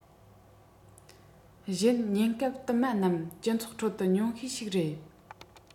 གཞན ཉེན སྐབས བསྟུན པ རྣམས སྤྱི ཚོགས ཁྲོད དུ ཉུང ཤས ཤིག རེད